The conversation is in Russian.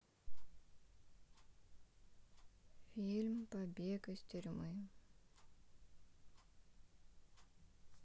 фильм побег из тюрьмы